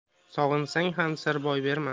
sog'insang ham sir boy berma